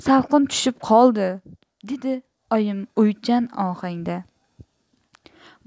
salqin tushib qoldi dedi oyim o'ychan ohangda